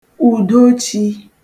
Ùdochī